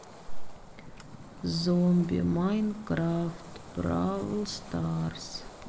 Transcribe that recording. зомби майнкрафт бравл старс